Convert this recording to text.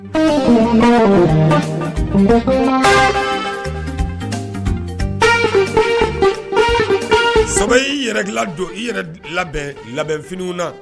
Sabu y i yɛrɛ jɔ i labɛnf finiw na